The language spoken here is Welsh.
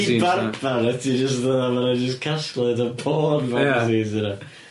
...barbar a ti jyst fel 'a ma' 'na jyst casgliad o porn magazines yna.